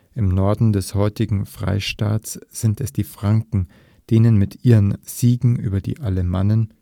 Im Norden des heutigen Freistaates sind es die Franken, denen mit ihren Siegen über die Alamannen